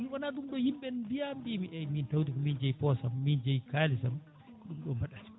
wona ɗum ɗo yimɓe mbiya mbimi eyyi min tawde ko min jeeyi poosam min jeeyi kalisam ko ɗum ɗo mbaɗanmi